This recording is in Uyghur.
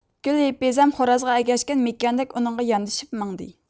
گۈلھېپىزەم خورازغا ئەگەشكەن مېكىياندەك ئۇنىڭغا ياندىشىپ ماڭدى